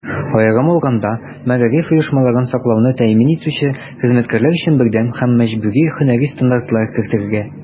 Аерым алганда, мәгариф оешмаларын саклауны тәэмин итүче хезмәткәр өчен бердәм һәм мәҗбүри һөнәри стандартлар кертергә.